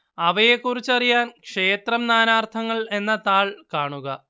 അവയെക്കുറിച്ചറിയാൻ ക്ഷേത്രം നാനാർത്ഥങ്ങൾ എന്ന താൾ കാണുക